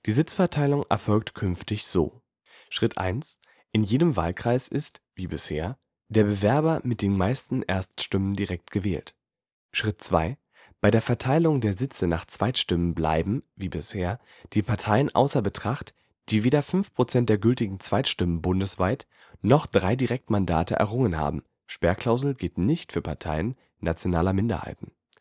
Sitzverteilung erfolgt künftig so: Schritt 1: In jedem Wahlkreis ist (wie bisher) der Bewerber mit den meisten Erststimmen direkt gewählt. Schritt 2: Bei der Verteilung der Sitze nach Zweitstimmen bleiben – wie bisher – die Parteien außer Betracht, die weder 5 % der gültigen Zweitstimmen bundesweit noch drei Direktmandate errungen haben (Sperrklausel gilt nicht für Parteien nationaler Minderheiten). Die